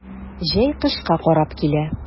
Җәй кышка карап килә.